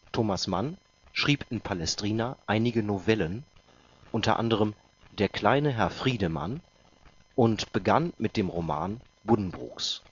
Thomas Mann schrieb in Palestrina einige Novellen, unter anderem Der kleine Herr Friedemann, und begann mit dem Roman Buddenbrooks